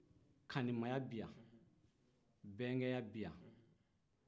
kanimɛya bɛ yan bɛnkɛya bɛ yan